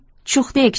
chuh de